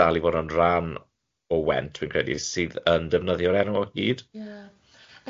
dal i fod yn rhan o Went, fi'n credu, sydd yn defnyddio'r enw o hyd.